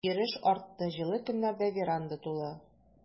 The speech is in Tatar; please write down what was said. Йөреш артты, җылы көннәрдә веранда тулы.